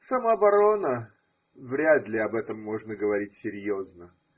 Самооборона – вряд ли об этом можно говорить серьезно.